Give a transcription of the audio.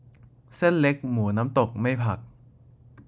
เส้นเล็กหมูน้ำตกไม่ผัก